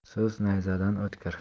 so'z nayzadan o'tkir